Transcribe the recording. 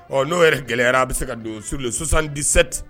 Ɔ n'o yɛrɛ gɛlɛyayara a bɛ se ka don su sonsandisɛte